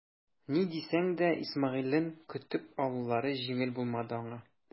Ни дисәң дә Исмәгыйлен көтеп алулары җиңел булмады аңа.